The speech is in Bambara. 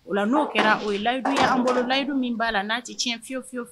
Ola n'o kɛra o ye layidu an bolo layidu min b'a n'a tɛ tiɲɛɲɛnyeyewu